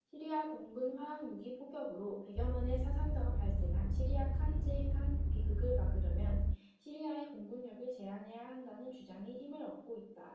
시리아 공군 화학무기 폭격으로 백 여 명의 사상자가 발생한 시리아 칸 셰이칸 비극을 막으려면 시리아의 공군력을 제한해야 한다는 주장이 힘을 얻고 있다